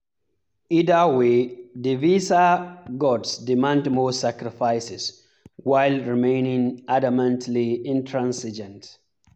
Either way the visa gods demand more sacrifices, while remaining adamantly intransigent.